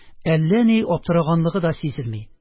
Әллә ни аптыраганлыгы да сизелми